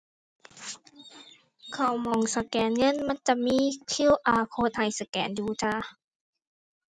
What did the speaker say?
เข้าหม้องสแกนเงินมันจะมี QR code ให้สแกนอยู่จ้า